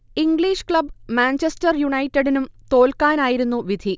English club Manchester യുണൈറ്റഡിനും തോൽക്കാനായിരുന്നു വിധി